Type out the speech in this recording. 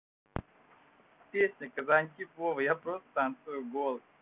песня казантип вова я просто танцую голой